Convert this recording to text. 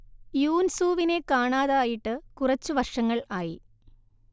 യൂൻസൂവിനെ കാണാതായിട്ട് കുറച്ചു വർഷങ്ങൾ ആയി